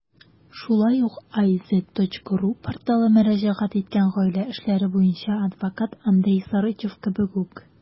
Шулай ук iz.ru порталы мөрәҗәгать иткән гаилә эшләре буенча адвокат Андрей Сарычев кебек үк.